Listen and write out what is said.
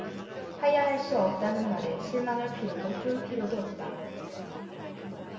하야할 수 없다는 말에 실망할 필요도 쫄 필요도 없다